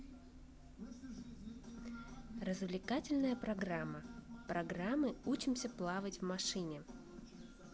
развлекательная программа программы учимся плавать в машине